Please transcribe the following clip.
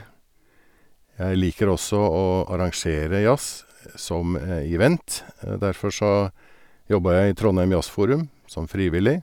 Jeg liker også å arrangere jazz, som event, derfor så jobba jeg i Trondheim Jazzforum, som frivillig.